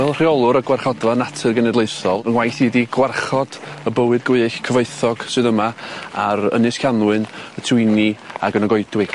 Wel rheolwr y Gwarchodfa Natur Genedlaethol, fy ngwaith i ydi gwarchod y bywyd gwyllt cyfoethog sydd yma ar Ynys Llanddwyn, y twyni ag yn y goedwig.